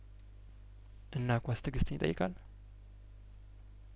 እና ኳስ ትእግስትን ይጠይቃል